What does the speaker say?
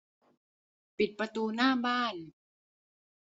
ปิดประตูหน้าบ้าน